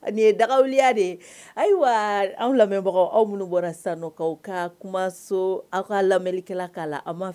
Nin ye dagawubaliya de ye ayiwa an lamɛnbagaw aw minnu bɔra sakaw ka kumaso aw ka lamɛnmikɛla k'a la an ma fɛ